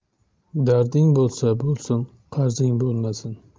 darding bo'lsa bo'lsin qarzing bo'lmasin